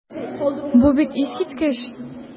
Бу бит искиткеч!